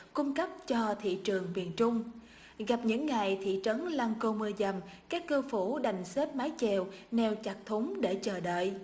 cung cấp cho thị trường miền trung gặp những ngày thị trấn lăng cô mưa dầm các cư phủ đành xếp mái chèo neo chặt thúng để chờ đợi